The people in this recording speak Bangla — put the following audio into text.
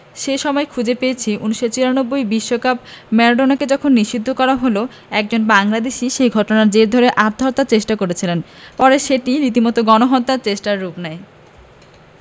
সে সময় খুঁজে পেয়েছি ১৯৯৪ বিশ্বকাপে ম্যারাডোনাকে যখন নিষিদ্ধ করা হলো একজন বাংলাদেশি সে ঘটনার জের ধরে আত্মহত্যার চেষ্টা করেছিলেন পরে সেটি রীতিমতো গণ আত্মহত্যার চেষ্টায় রূপ নেয়